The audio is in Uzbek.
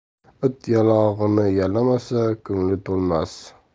it yalog'ini yalamasa ko'ngli to'lmas